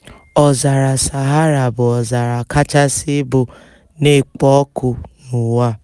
Ọzara Sahara bụ ọzara kachasi ibu na-ekpo ọkụ n'ụwa.